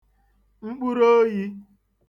mkpụrụoyi